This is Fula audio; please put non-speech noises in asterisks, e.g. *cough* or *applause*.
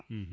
*hesitation* *hesitation*